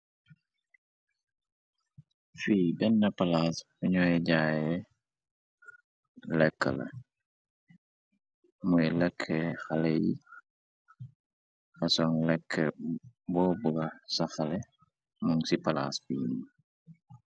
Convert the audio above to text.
fi benn palaas fañooy jaaye lekk la muy lekk xale yi fason lekk boobu safale mun ci palaas fini.